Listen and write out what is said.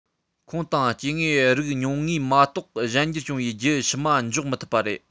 ཁོངས དང སྐྱེ དངོས རིགས ཉུང ངུས མ གཏོགས གཞན འགྱུར བྱུང བའི རྒྱུད ཕྱི མ འཇོག མི ཐུབ པ རེད